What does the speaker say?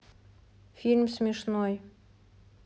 фильм смешной